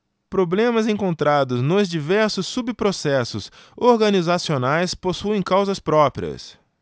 problemas encontrados nos diversos subprocessos organizacionais possuem causas próprias